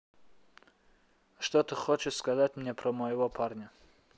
что ты хочешь сказать мне про моего парня